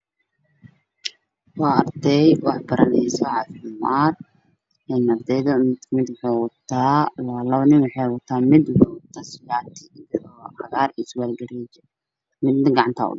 Waa meel caafimaad waxaa ii muuqda laba wiil midna uu gacanta ugu duuban tahay midna uu shaati qabo